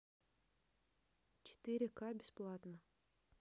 четыре к бесплатно